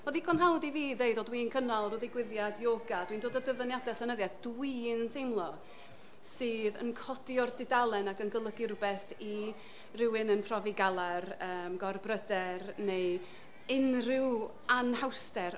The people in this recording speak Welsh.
Ma'n ddigon hawdd i fi ddeud "o dwi'n cynnal ryw ddigwyddiad ioga". Dwi'n dod â dyfyniadau llenyddiaeth, dwi'n teimlo, sydd yn codi o'r dudalen ac yn golygu rywbeth i rywun yn profi galar, yym gorbryder neu unrhyw anhawster.